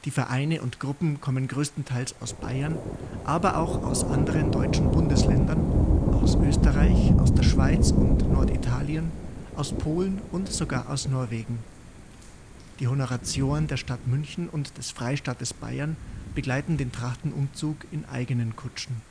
Vereine und Gruppen kommen größtenteils aus Bayern, aber auch aus anderen deutschen Bundesländern, aus Österreich, aus der Schweiz und Norditalien, aus Polen und sogar aus Norwegen. Die Honoratioren der Stadt München und des Freistaates Bayern begleiten den Trachtenumzug in eigenen Kutschen